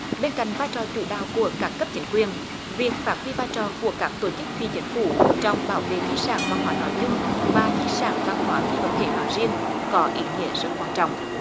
bên cạnh vai trò chủ đạo của các cấp chính quyền việc phát huy vai trò của các tổ chức phi chính phủ trong bảo vệ di sản văn hóa nói chung và di sản văn hóa phi vật thể nói riêng có ý nghĩa rất quan trọng